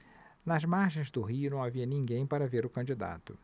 nas margens do rio não havia ninguém para ver o candidato